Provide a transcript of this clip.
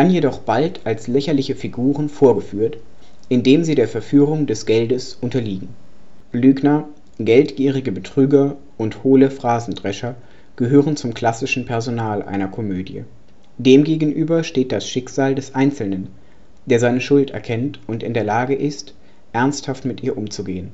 jedoch bald als lächerliche Figuren vorgeführt, indem sie der Verführung des Geldes unterliegen. Lügner, geldgierige Betrüger und hohle Phrasendrescher gehören zum klassischen Personal einer Komödie. Demgegenüber steht das Schicksal des Einzelnen, der seine Schuld erkennt und in der Lage ist, ernsthaft mit ihr umzugehen